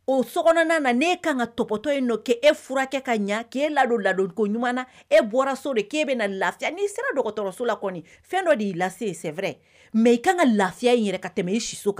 O so kɔnɔnaɔn na nee ka kan ka tɔtɔ in don k' e fura furakɛ ka ɲɛ k'e ladon ladonko ɲuman na e bɔra so de k'e bɛ na lafiya n'i sera dɔgɔtɔrɔso la fɛn dɔ y'i lase ye senɛrɛ mɛ i ka kan ka lafiya in yɛrɛ ka tɛmɛ i si so